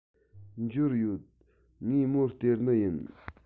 འབྱོར ཡོད ངས མོར སྟེར ནི ཡིན